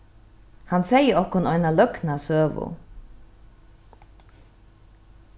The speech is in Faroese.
hann segði okkum eina løgna søgu